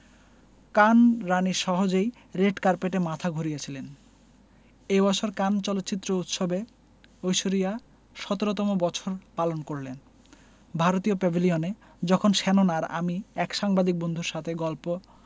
কান রাণী সহজেই রেড কার্পেটে মাথা ঘুরিয়েছিলেন এ বছর কান চলচ্চিত্র উৎসবে ঐশ্বরিয়া ১৭তম বছর পালন করলেন ভারতীয় প্যাভিলিয়নে যখন শ্যানন আর আমি এক সাংবাদিক বন্ধুর সাথে গল্প